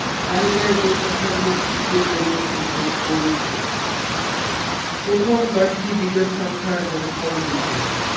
তালিকায় যে সংখ্যাগুলো টিকে রইল সেগুলো মৌলিক সংখ্যা প্রথম দশটি বিজোড় সংখ্যার যোগফল নির্ণয়